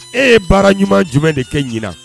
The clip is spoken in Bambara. ,E ye baara ɲuman jumɛn de kɛ ɲinan